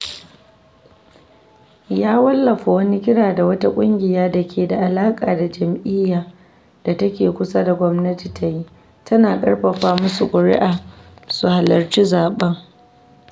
Ya wallafa wani kira da wata ƙungiya da ke da alaƙa da jam’iyya da take kusa da gwamnati ta yi, tana ƙarfafa masu ƙuri’a su halarci zaɓen.